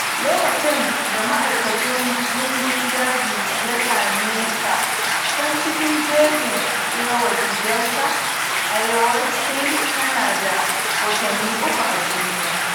Lokacin da ma'aikacin gandun daji ya same ta can cikin jejin Irrawaddy Delta, Ayeyar Sein tana da watanni uku a duniya.